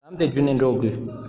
ལམ དེ བརྒྱུད ནས འགྲོ དགོས